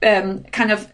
yym kine of